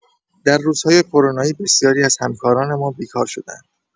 در روزهای کرونایی بسیاری از همکاران ما بیکار شدند.